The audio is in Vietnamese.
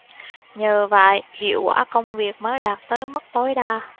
nhờ vậy hiệu quả công việc mới đạt tới mức tối đa